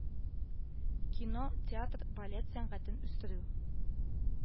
Кино, театр, балет сәнгатен үстерү